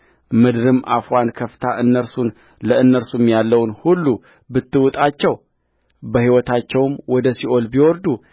ምድርም አፍዋን ከፍታ እነርሱን ለእነርሱም ያለውን ሁሉ ብትውጣቸው በሕይወታቸውም ወደ ሲኦል ቢወርዱ